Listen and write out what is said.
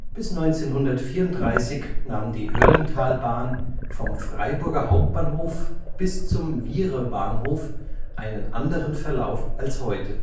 Bis 1934 nahm die Höllentalbahn vom Freiburger Hauptbahnhof bis zum Wiehrebahnhof einen anderen Verlauf als heute